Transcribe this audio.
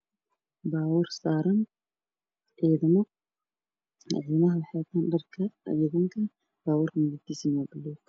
Waxaa ii muuqdo baabuur ay saaran yihiin dad baabuurkaas oo ah kuwa loo yaqaano uuraalka kalarkiisu yahay buluug dadna korka saaranyihiin